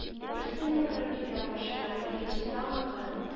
Берсе мин утырып килгән машина, икенчесе — аныкы